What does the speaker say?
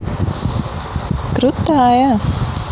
крутая